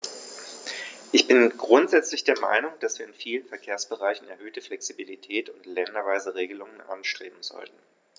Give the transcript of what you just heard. Ich bin grundsätzlich der Meinung, dass wir in vielen Verkehrsbereichen erhöhte Flexibilität und länderweise Regelungen anstreben sollten.